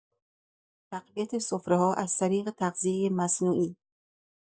تقویت سفره‌ها از طریق تغذیۀ مصنوعی